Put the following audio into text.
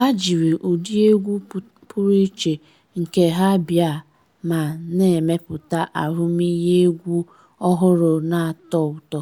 Ha jiri ụdị egwu pụrụ iche nke ha bịa ma na-emepụta ahụmịhe egwu ọhụrụ na-atọ ụtọ.